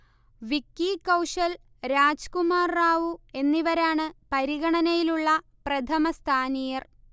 വിക്കി കൗശൽ, രാജ്കുമാർ റാവു എന്നിവരാണ് പരിഗണനയിലുള്ള പ്രഥമസ്ഥാനീയർ